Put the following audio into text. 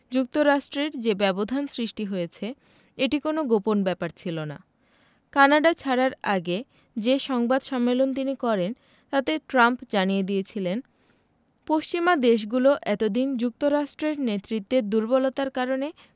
যুক্তরাষ্ট্রের যে ব্যবধান সৃষ্টি হয়েছে এটি কোনো গোপন ব্যাপার ছিল না কানাডা ছাড়ার আগে যে সংবাদ সম্মেলন তিনি করেন তাতে ট্রাম্প জানিয়ে দিয়েছিলেন পশ্চিমা দেশগুলো এত দিন যুক্তরাষ্ট্রের নেতৃত্বের দুর্বলতার কারণে